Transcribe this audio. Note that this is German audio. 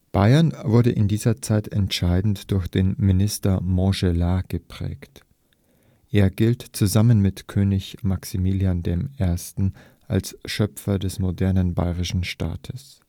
Bayern wurde in dieser Zeit entscheidend durch den Minister Montgelas geprägt. Er gilt zusammen mit König Maximilian I. als Schöpfer des modernen bayerischen Staates